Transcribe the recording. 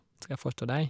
Skal forstå deg.